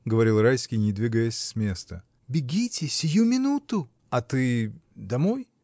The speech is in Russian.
— говорил Райский, не двигаясь с места. — Бегите, сию минуту! — А ты. домой?